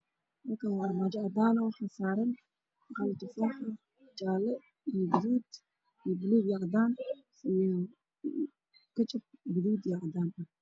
Halkaan was armaajo cadaan ah waxaa saaran hal tufaax ah jaalo guduud buluug iyo cadaan iyo kajab guduud iyo cadaan ah